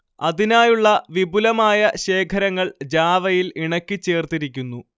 അതിനായുള്ള വിപുലമായ ശേഖരങ്ങൾ ജാവയിൽ ഇണക്കിച്ചേർത്തിരിക്കുന്നു